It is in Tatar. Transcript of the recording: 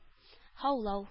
Һаулау